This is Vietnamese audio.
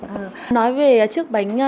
nói về chiếc bánh